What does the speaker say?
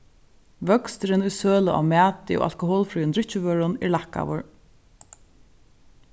vøksturin í sølu av mati og alkoholfríum drykkjuvørum er lækkaður